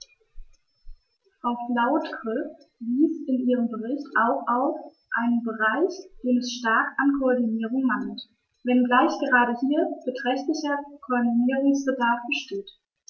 Frau Flautre verwies in ihrem Bericht auch auf einen Bereich, dem es stark an Koordinierung mangelt, wenngleich gerade hier beträchtlicher Koordinierungsbedarf besteht.